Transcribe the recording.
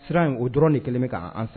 Sira in o dɔrɔn ni kelen k' an sara